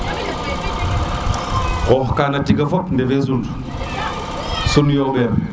xox kana tigo fop ndefe sud sun yomber